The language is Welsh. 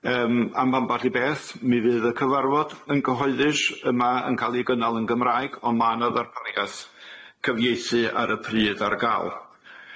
Yym am amball i beth mi fydd y cyfarfod yn gyhoeddus yma yn ca'l ei gynnal yn Gymraeg on' ma' na ddarpariaeth cyfieithu ar y pryd ar ga'l.